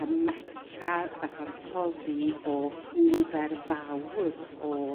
a meta ddadansoddi o nifer fawr o